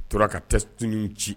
A tora ka tora ka texte nin ci.